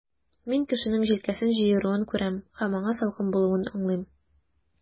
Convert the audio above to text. Мин кешенең җилкәсен җыеруын күрәм, һәм аңа салкын булуын аңлыйм.